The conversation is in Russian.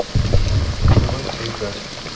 давайте играть